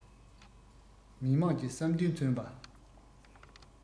མི དམངས ཀྱི བསམ འདུན མཚོན པ